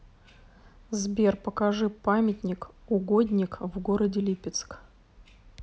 сбер покажи памятник угодник в городе липецк